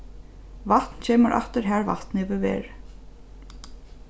vatn kemur aftur har vatn hevur verið